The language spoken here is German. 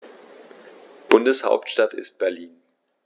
Bundeshauptstadt ist Berlin.